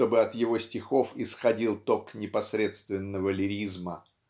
чтобы от его стихов исходил ток непосредственного лиризма